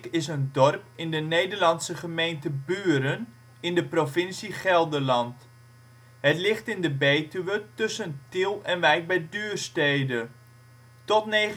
is een dorp in de Nederlandse gemeente Buren, provincie Gelderland. Het ligt in de Betuwe tussen Tiel en Wijk bij Duurstede. Tot 1999